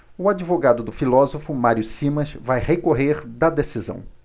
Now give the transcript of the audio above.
o advogado do filósofo mário simas vai recorrer da decisão